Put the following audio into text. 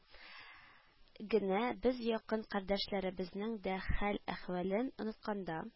Генә без якын кардәшләребезнең дә хәл-әхвәлен онытканда